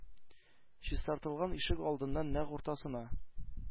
Чистартылган ишек алдының нәкъ уртасына,